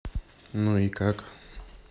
ну и как